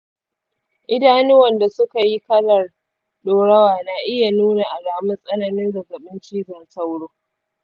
idanuwan da suka yi kalar ɗorawa na iya nuna alamun tsananin zazzabin cizon sauro.